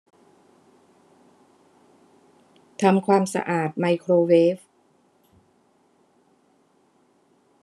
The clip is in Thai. ทำความสะอาดไมโครเวฟ